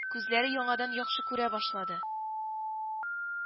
Күзләре яңадан яхшы күрә башлады